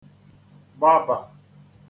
gbabà